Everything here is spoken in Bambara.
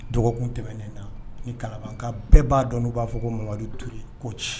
Dɔgɔkun tɛmɛnen na ni kala ka bɛɛ b'a dɔn u b'a fɔ ko mamadu tour ko ci